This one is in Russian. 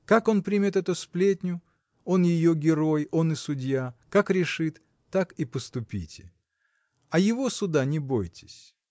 Как он примет эту сплетню: он ее герой — он и судья, как решит — так и поступите. А его суда не бойтесь.